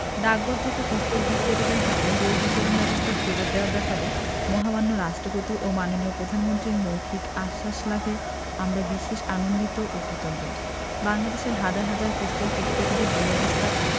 ডাকঘর থেকে পুস্তক বিক্রেতাদের হাতে বই বিতরণ ব্যবস্থা ফেরত দেওয়ার ব্যাপারে মহামান্য রাষ্ট্রপতি ও মাননীয় প্রধানমন্ত্রীর মৌখিক আশ্বাস লাভে আমরা বিশেষ আনন্দিত ও কৃতজ্ঞ বাংলাদেশের হাজার হাজার পুস্তক বিক্রেতাদের দুরবস্থা